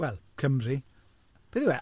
Wel, Cymru. Beth yw e?